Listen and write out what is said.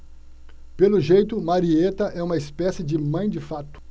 pelo jeito marieta é uma espécie de mãe de fato